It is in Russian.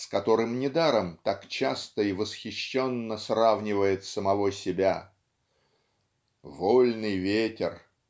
с которым недаром так часто и восхищенно сравнивает самого себя. "Вольный ветер"